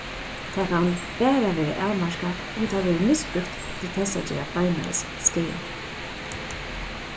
tað kann bara verða avmarkað um tað verður misbrúkt til tess at gera beinleiðis skaða